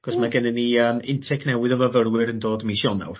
'C'os ma' gennyn ni yym intakenewydd o fyfyrwyr yn dod mis Ionawr.